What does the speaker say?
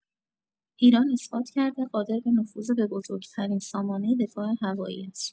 ایران اثبات کرده قادر به نفوذ به بزرگ‌ترین سامانه دفاع هوایی است.